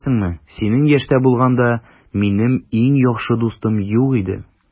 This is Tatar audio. Беләсеңме, синең яшьтә булганда, минем иң яхшы дустым юк иде.